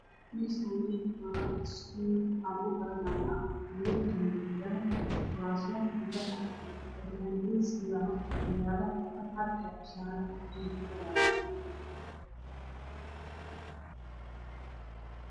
Meeshaan waa iskuul waxaa lugu baranaa. Wiilal ayaa jooga kuraasman alwaax ah ayay ku fadhiyaan miis ayaa horyaala warqad cad ayaa u saaran wax bay kuqorahayaan.